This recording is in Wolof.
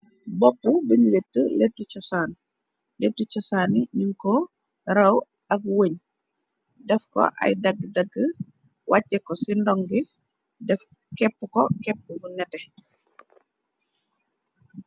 Bopa bung leta letti cosaan leti cosaani nu ko raw ak wun def ko ay dagg dagg wàcce ko ci ndongi def kepp ko kepp bu neteh.